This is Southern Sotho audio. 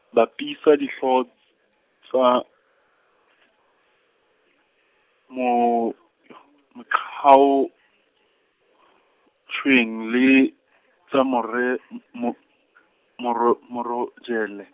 bapisa dihlooho tsa, Mo- mocoancoeng le , tsa More- M- Mo- Moro-, Morojele.